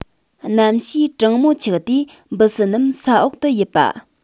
གནམ གཤིས གྲང མོ ཆགས དུས འབུ སྲིན རྣམས ས འོག ཏུ ཡིབ པ